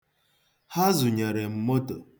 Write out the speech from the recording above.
Ha zụnyere m moto.